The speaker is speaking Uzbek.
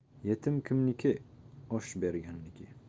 yetim kimniki osh berganniki